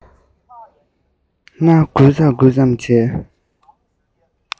སྣ འགུལ ཙམ འགུལ ཙམ བྱེད